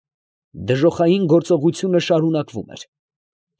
Դժոխային գործողությունը շարունակվում էր։